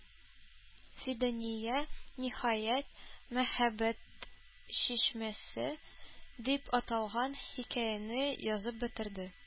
Фидания, ниһаять, "Мәхәббәт чишмәсе" дип аталган хикәяне язып бетерде.